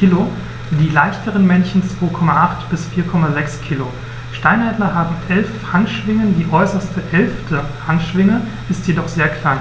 kg, die leichteren Männchen 2,8 bis 4,6 kg. Steinadler haben 11 Handschwingen, die äußerste (11.) Handschwinge ist jedoch sehr klein.